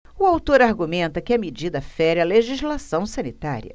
o autor argumenta que a medida fere a legislação sanitária